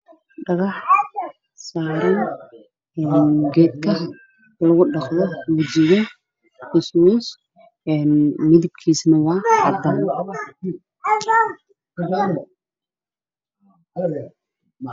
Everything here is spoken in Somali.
Dhagax saaran geed ka lagu dhaqdo wajiga